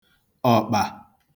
ọ̀kpà